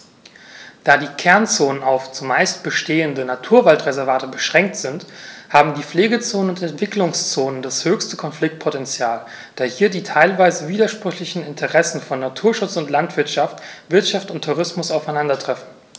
Da die Kernzonen auf – zumeist bestehende – Naturwaldreservate beschränkt sind, haben die Pflegezonen und Entwicklungszonen das höchste Konfliktpotential, da hier die teilweise widersprüchlichen Interessen von Naturschutz und Landwirtschaft, Wirtschaft und Tourismus aufeinandertreffen.